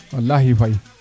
walahi Faye